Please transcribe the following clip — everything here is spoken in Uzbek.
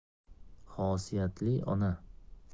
xosiyatli ona